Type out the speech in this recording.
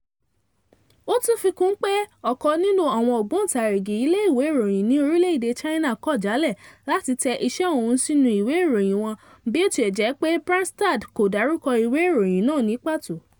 Ó tún fikún un pé ọ̀kan nínú àwọn ògbóntarìgì ilé ìwé ìròyìn ní orílẹ̀èdè China kọ̀ jálẹ̀ láti tẹ iṣẹ́ òun sínú ìwé ìròyìn wọn bí ó tilẹ̀ jẹ́ pé Branstad kò dárúkọ ìwé ìròyìn náà ní pàtó.